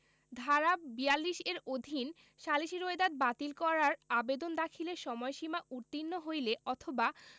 ধারা ৪২ এর অধীন সালিসী রোয়েদাদ বাতিল করার আবেদন দাখিলের সময়সীমা উত্তীর্ণ হইলে অথবা